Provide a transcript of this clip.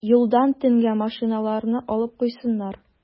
Юлдан төнгә машиналарны алып куйсыннар.